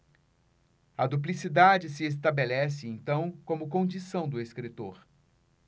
a duplicidade se estabelece então como condição do escritor